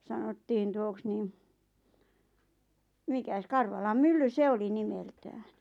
sanottiin tuoksi niin mikäs Karvalan mylly se oli nimeltään